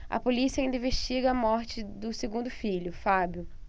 a polícia ainda investiga a morte do segundo filho fábio